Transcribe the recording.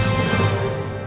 của